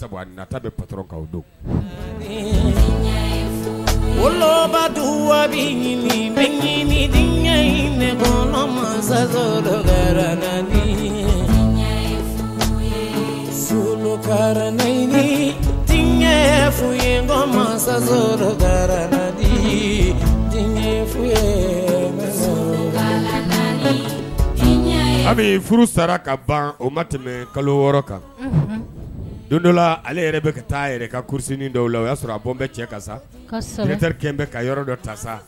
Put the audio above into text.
Ta bɛ ptakaw don wolobadu wa bɛ ɲiniɲ mɔgɔani sun ye masa a furu sara ka ban o ma tɛmɛ kalo wɔɔrɔ kan don dɔ la ale yɛrɛ bɛ ka taa yɛrɛ ka kurusi dɔw la o y'a sɔrɔ a ko n bɛ cɛ kasa ne terikɛ bɛ ka yɔrɔ dɔ ta sa